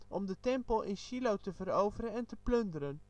om de tempel in Sjilo te veroveren en te plunderen